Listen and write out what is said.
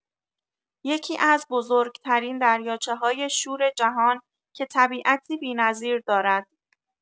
یکی‌از بزرگ‌ترین دریاچه‌های شور جهان که طبیعتی بی‌نظیر دارد.